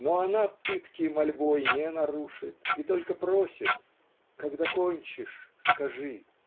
но она пытки мольбой не нарушит и только просит "Когда кончишь, скажи".